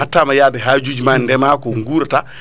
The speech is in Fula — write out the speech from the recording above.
hattama yaade hajujima ndeema ko guurata